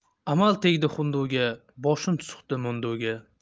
amal tegdi hunduga boshini suqdi mo'nduga